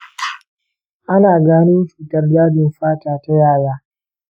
ana gano cutar dajin fata ta yaya?